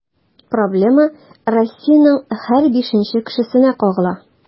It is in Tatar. Проблема Россиянең һәр бишенче кешесенә кагыла.